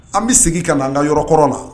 An bɛ sigi ka'an ka yɔrɔɔrɔn na